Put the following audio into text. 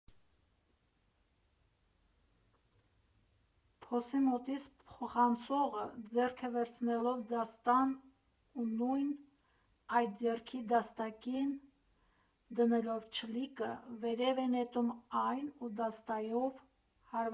Փոսի մոտից փոխանցողը, ձեռքը վերցնելով դաստան ու նույն այդ ձեռքի դաստակին դնելով չլիկը, վերև է նետում այն ու դաստայով հարվածում։